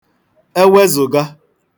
ewezụ̀ga